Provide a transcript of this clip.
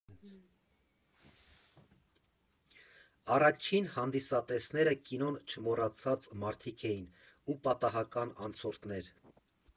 Առաջին հանդիսատեսները կինոն չմոռացած մարդիկ էին ու պատահական անցորդներ։